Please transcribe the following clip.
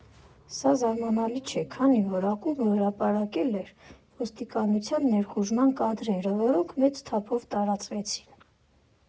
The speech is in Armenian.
Սա զարմանալի չէ, քանի որ ակումբը հրապարակել էր ոստիկանության ներխուժման կադրերը, որոնք մեծ թափով տարածվեցին։